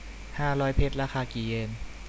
ห้าร้อยเพชรราคากี่เยน